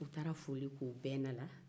u taara foli kɛ u bɛna na